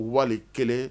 Wali kelen.